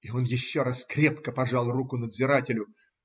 И он еще раз крепко пожал руку надзирателю.